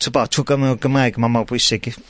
T'bod trw gyfrwng y Gymraeg ma' mor bwysig i...